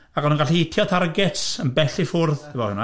Ac o'n nhw'n gallu hitio targets yn bell i ffwrdd efo hynna.